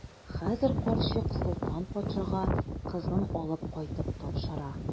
Хәзер карчык Солтан патшага кызын алып кайтып тапшыра.